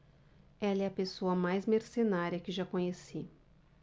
ela é a pessoa mais mercenária que já conheci